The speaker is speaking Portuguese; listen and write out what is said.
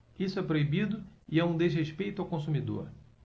isso é proibido e é um desrespeito ao consumidor